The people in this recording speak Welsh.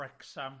Wrecsam.